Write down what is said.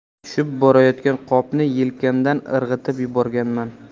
tushib borayotgan qopni yelkamdan irg'itib yuborganman